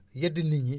yedd nit ñi